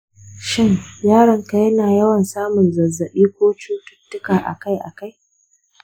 shin yaronka yana yawan samun zazzabi ko cututtuka akai-akai?